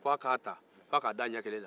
ko a k'a ta k'a da a ɲɛ kelen na